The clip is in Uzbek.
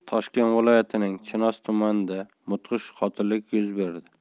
toshkent viloyatining chinoz tumanida mudhish qotillik yuz berdi